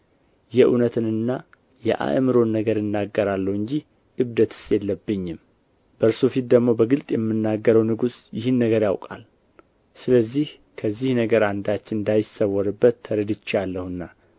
የእውነትንና የአእምሮን ነገር እናገራለሁ እንጂ እብደትስ የለብኝም በእርሱ ፊት ደግሞ በግልጥ የምናገረው ንጉሥ ይህን ነገር ያውቃል ከዚህ ነገር አንዳች እንዳይሰወርበት ተረድቼአለሁና